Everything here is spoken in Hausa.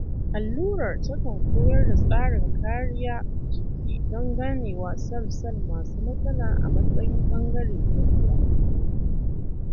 Allurar takan koyar da tsarin kariya jiki don ganewa sel-sel masu matsala a matsayin ɓangare na kula